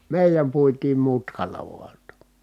meidän puitiin mutkalla vain jotta